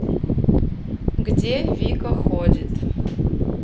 где вика ходит